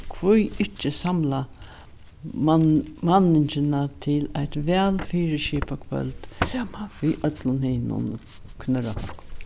hví ikki samla mann manningina til eitt væl fyriskipað kvøld saman við øllum hinum knørrafólkum